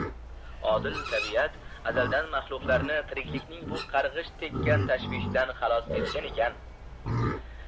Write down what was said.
odil tabiat azaldan mahluqlami tiriklikning bu qarg'ish tekkan tashvishidan xalos etgan ekan